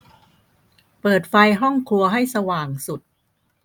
เปิดไฟห้องครัวให้สว่างสุด